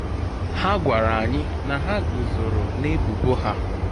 Ha gwara anyị na ha gụzọro n’ebubo ha.